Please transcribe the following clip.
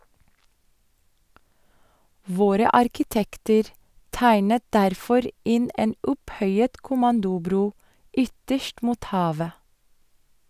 Våre arkitekter tegnet derfor inn en opphøyet "kommandobro" ytterst mot havet.